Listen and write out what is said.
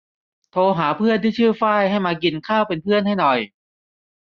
โทรหาเพื่อนที่ชื่อฝ้ายให้มากินข้าวเป็นเพื่อนให้หน่อย